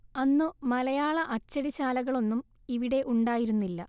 അന്നു മലയാള അച്ചടിശാലകളൊന്നും ഇവിടെ ഉണ്ടായിരുന്നില്ല